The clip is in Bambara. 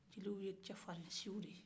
jeliw ye cɛ farin siw de ye